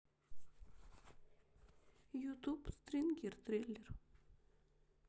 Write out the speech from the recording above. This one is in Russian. ютуб стрингер треллер